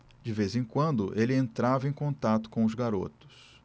de vez em quando ele entrava em contato com os garotos